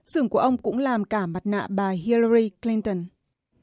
xưởng của ông cũng làm cả mặt nạ bà hi ra ly cờ lin từn